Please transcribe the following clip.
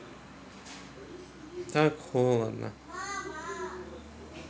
так холодно